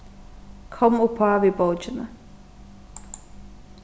kom uppá við bókini